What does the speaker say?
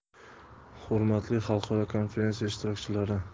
hurmatli xalqaro konferensiya ishtirokchilari